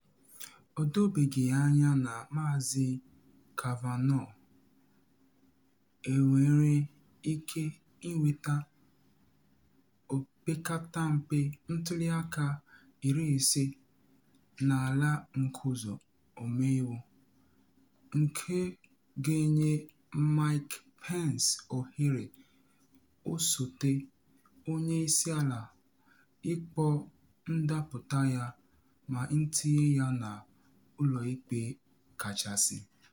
O dobeghi anya ma Maazị Kavanaugh enwere ike ịnweta opekata mpe ntuli aka 50 n’ala Nzụkọ Ọmeiwu, nke ga-enye Mike Pence ohere, osote onye isi ala, ịkpọ ndapụta ya ma tinye ya na Ụlọ Ikpe Kachasị.